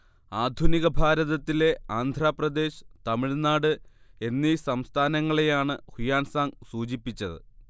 ആധുനിക ഭാരതത്തിലെ ആന്ധ്രാപ്രദേശ്, തമിഴ്നാട് എന്നീ സംസ്ഥാനങ്ങളെയാണ് ഹുയാൻസാങ്ങ് സൂചിപ്പിച്ചത്